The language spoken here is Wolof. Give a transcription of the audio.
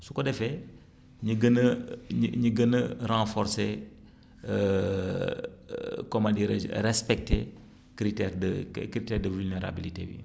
su ko defee ñu gën a ñu ñu gën a regforcé comment dirais je respecté critère de de critère de vulnérabilité bi